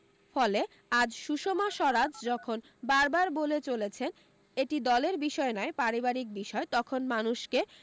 ফলে আজ সুষমা স্বরাজ যখন বারবার বলে চলেছেন এটি দলীয় বিষয় নয় পারিবারিক বিষয় তখন মানুষকে